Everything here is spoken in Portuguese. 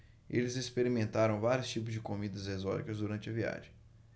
eles experimentaram vários tipos de comidas exóticas durante a viagem